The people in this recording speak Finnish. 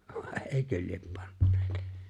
vai eikö lie panneet